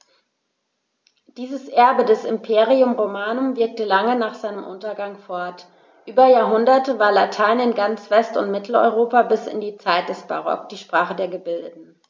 Dieses Erbe des Imperium Romanum wirkte lange nach seinem Untergang fort: Über Jahrhunderte war Latein in ganz West- und Mitteleuropa bis in die Zeit des Barock die Sprache der Gebildeten.